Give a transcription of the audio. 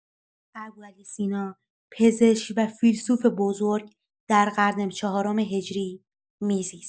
ابوعلی سینا، پزشک و فیلسوف بزرگ، در قرن چهارم هجری می‌زیست.